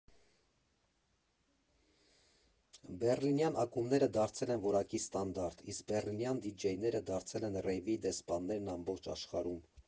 Բեռլինյան ակումբները դարձել են որակի ստանդարտ, իսկ բեռլինյան դիջեյները դարձել են ռեյվի դեսպաններն ամբողջ աշխարհում։